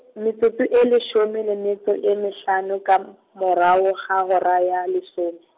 metsotso e leshome le metso e mehlano, kam- morao ga hora ya leshome.